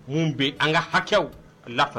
Mun bɛ an ka hakɛw a la